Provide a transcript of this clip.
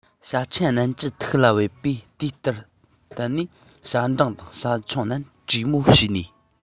བྱ ཆེན རྣམས ཀྱི ཐུགས ལ བབས པས དེ ལ བརྟེན ནས བྱ འབྲིང དང བྱ ཆུང རྣམས གྲོས མོལ བྱས ནས